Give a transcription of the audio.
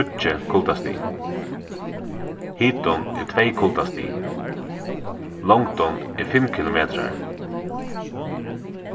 tíggju kuldastig hitin er tvey kuldastig longdin er fimm kilometrar